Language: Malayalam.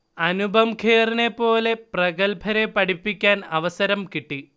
അനുപം ഖേറിനെപ്പോലുള്ള പ്രഗല്ഭരെ, പഠിപ്പിക്കാൻ അവസരം കിട്ടി